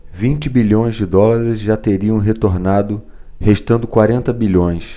vinte bilhões de dólares já teriam retornado restando quarenta bilhões